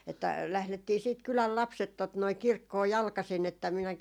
että lähdettiin sitten kylän lapset tuota noin kirkkoon jalkaisin että minäkin